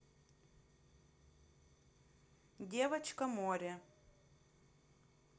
девочка море